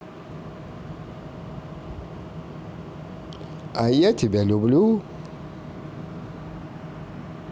а я тебя люблю